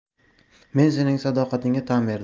men sening sadoqatingga tan berdim